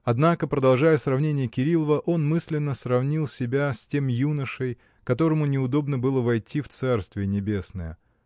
Однако, продолжая сравнение Кирилова, он мысленно сравнил себя с тем юношей, которому неудобно было войти в царствие небесное.